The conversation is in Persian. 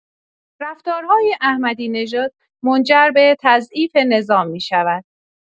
رفتارهای احمدی‌نژاد منجر به تضعیف نظام می‌شود.